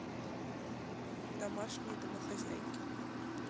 домашние домохозяйки